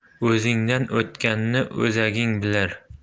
o'zingdan o'tganni o'zaging bilar